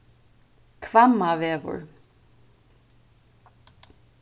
hvammavegur